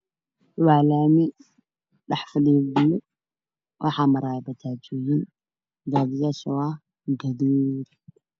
Waa laami dhax fadhiyo biyo waxaa maraayo Bajajyo bajaaj yada wey kala duwan yihiin